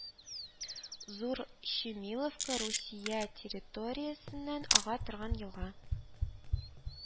Зур Щемиловка Русия территориясеннән ага торган елга